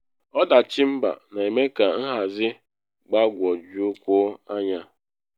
Ọdachi mba na eme ka nhazi gbagwojukwuo anya.